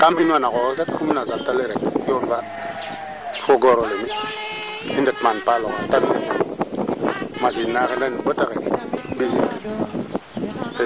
yaam faley fee fop na nan kano yo to ndigila gara nga aussi fop na nganjir kano yo nda comme wo i njite'u o ref teeno maak ana paax i ngara nga na wo aussi xa i ŋotid meen paax fo kaa mosna kaa i xcooxkang rek